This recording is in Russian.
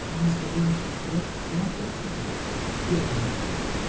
— А вы сказали, что страсть всё оправдывает!. — Я и ничего!